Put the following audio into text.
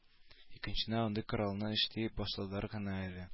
Икенчедән андый коралны эшли башладылар гына әле